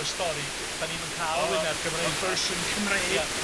y stori gy- 'dan ni'm yn ca'l y wyneb Gymreig 'na. O y fersiwn Cymreig. Ia